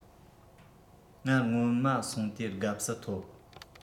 ང སྔོན མ སོང དུས དགའ བསུ ཐོབ